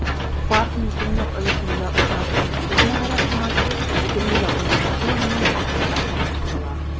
Паркның төньяк өлешендә урнашкан "Боз мәгарәсен" ачу 2017 елның ахырына планлаштырыла.